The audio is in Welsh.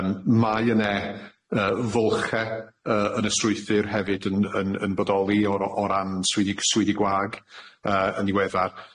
Yym mae yne yy fylche yy yn y strwythur hefyd yn yn yn bodoli o'r o- o ran swyddi swyddi gwag yy yn ddiweddar.